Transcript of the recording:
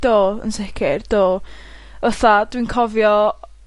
Do, yn sicir, do, fatha dwi'n cofio